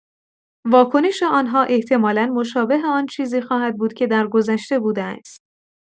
واکنش آن‌ها احتمالا مشابه آن چیزی خواهد بود که درگذشته بوده است.